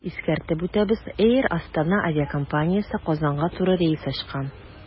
Искәртеп үтәбез, “Эйр Астана” авиакомпаниясе Казанга туры рейс ачкан.